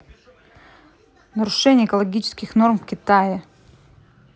нарушение экологических норм в китае